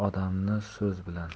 odamni so'z bilan